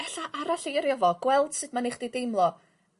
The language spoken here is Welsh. ella arall eirio fo gweld sut ma' neu' chdi deimlo.